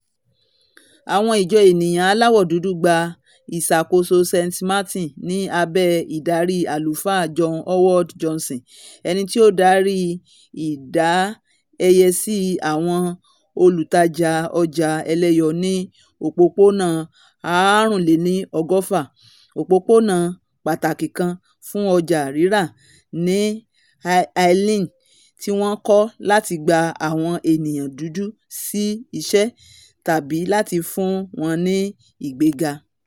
Àwọn ìjọ eniyan aláwo dúdú gbà ìsàkóso St. Martin ni ábẹ ìdárí Àlùfáà John Howard Johnson, ẹnití ó darí ìdẹyẹsí àwọn olùtajà ọja ẹlẹyọ ní Òpópónà 125, òpópónà pàtàkì kan fun ọjà rírà ní Harlem, tí wọn kọ lati gba àwọn eniyan dúdú si iṣẹ́ tàbí lati fún wọn ní ìgbéga.